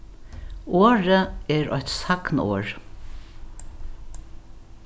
orðið er eitt sagnorð